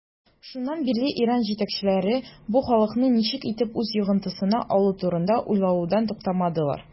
Шуннан бирле Иран җитәкчеләре бу халыкны ничек итеп үз йогынтысына алу турында уйлаудан туктамадылар.